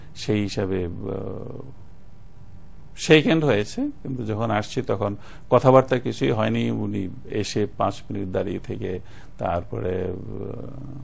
সেই হিসেবে shake hand হয়েছে কিন্তু যখন আসছি তখন কথাবার্তা কিছুই হয়নি উনি এসে পাঁচ মিনিট দাঁড়িয়ে থেকে তারপরে